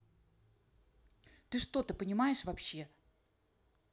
ты что то понимаешь вообще